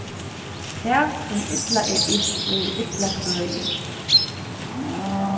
tað sum illa er yrkt verður illa kvøðið